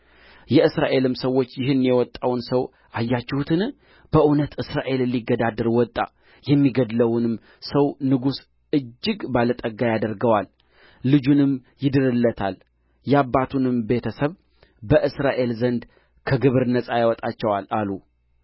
የእስራኤልም ሰዎች ይህን የወጣውን ሰው አያችሁትን በእውነት እስራኤልን ሊገዳደር ወጣ የሚገድለውንም ሰው ንጉሡ እጅግ ባለጠጋ ያደርገዋል ልጁንም ይድርለታል ያባቱንም ቤተ ሰብ በእስራኤል ዘንድ ከግብር ነጻ ያወጣቸዋል አሉ